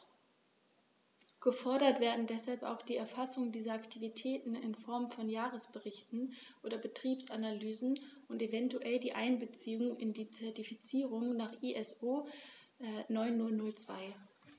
Gefordert werden deshalb auch die Erfassung dieser Aktivitäten in Form von Jahresberichten oder Betriebsanalysen und eventuell die Einbeziehung in die Zertifizierung nach ISO 9002.